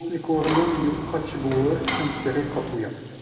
Гопникларның юкка чыгуы һәм кире кайтуы